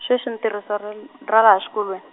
sweswi ni tirhisa ral- , rhala xikolweni.